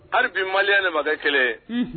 Hali bi maliya ɲamakala kelen ye